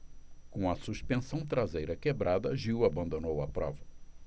com a suspensão traseira quebrada gil abandonou a prova